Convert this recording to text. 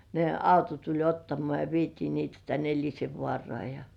ne auto tuli ottamaan ja vietiin niitä tänne Elisenvaaraan ja